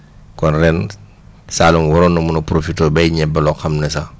kon ren Saloum waroon na mun a profité béy ñebe loo xam ne sax